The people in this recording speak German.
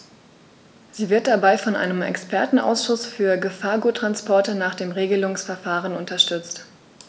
Sie wird dabei von einem Expertenausschuß für Gefahrguttransporte nach dem Regelungsverfahren unterstützt.